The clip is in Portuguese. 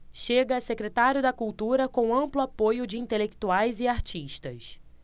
chega a secretário da cultura com amplo apoio de intelectuais e artistas